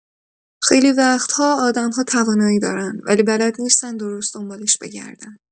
خیلی وقت‌ها آدم‌ها توانایی دارن، ولی بلد نیستن درست دنبالش بگردن.